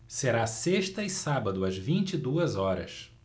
será sexta e sábado às vinte e duas horas